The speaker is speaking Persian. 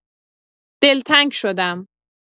دلتنگ شدم.